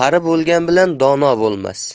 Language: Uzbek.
bo'lgan bilan dono bo'lmas